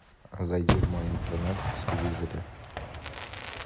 зайди в мой интернет в телевизоре